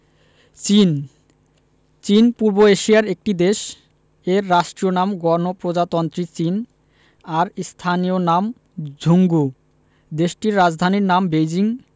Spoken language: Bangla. চীনঃ চীন পূর্ব এশিয়ার একটি দেশ এর রাষ্ট্রীয় নাম গণপ্রজাতন্ত্রী চীন আর স্থানীয় নাম ঝুংঘু দেশটির রাজধানীর নাম বেইজিং